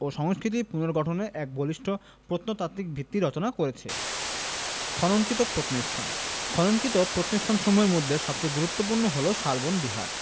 ও সংস্কৃতি পুনর্গঠনে এক বলিষ্ঠ প্রত্নতাত্ত্বিক ভিত্তি রচনা করেছে খননকৃত প্রত্নস্থানঃ খননকৃত প্রত্নস্থানসমূহের মধ্যে সবচেয়ে গুরুত্বপূর্ণ হলো শালবন বিহার